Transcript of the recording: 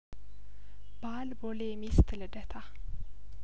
ባል ቦሌ ሚስት ልደታ